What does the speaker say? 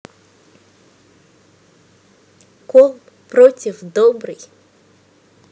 call против добрый